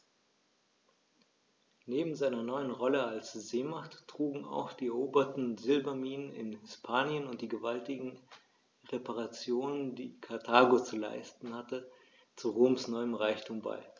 Neben seiner neuen Rolle als Seemacht trugen auch die eroberten Silberminen in Hispanien und die gewaltigen Reparationen, die Karthago zu leisten hatte, zu Roms neuem Reichtum bei.